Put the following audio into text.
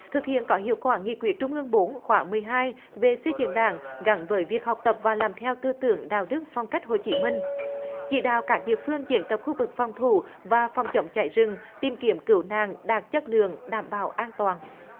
thực hiện có hiệu quả nghị quyết trung ương bốn khóa mười hai về xây dựng đảng gắn với việc học tập và làm theo tư tưởng đạo đức phong cách hồ chí minh chỉ đạo các địa phương diễn tập khu vực phòng thủ và phòng chống cháy rừng tìm kiếm cứu nạn đạt chất lượng đảm bảo an toàn